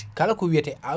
kala ko wiyate awdi